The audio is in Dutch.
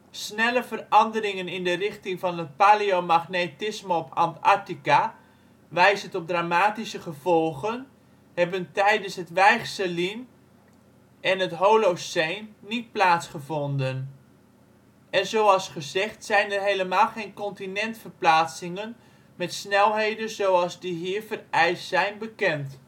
Snelle veranderingen in de richting van het paleomagnetisme op Antarctica, wijzend op dramatische gevolgen, hebben tijdens het Weichselien en het Holoceen niet plaatsgevonden. En zoals gezegd zijn er helemaal geen continentverplaatsingen met snelheden zoals die hier vereist zijn bekend